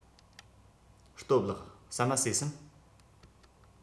སྟོབས ལགས ཟ མ ཟོས སམ